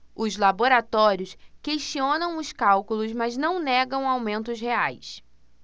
os laboratórios questionam os cálculos mas não negam aumentos reais